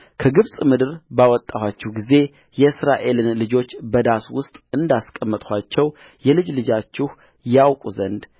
ከግብፅ ምድር ባወጣኋቸው ጊዜ የእስራኤልን ልጆች በዳስ ውስጥ እንዳስቀመጥኋቸው የልጅ ልጆቻችሁ ያውቁ ዘንድ